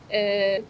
Ɛɛ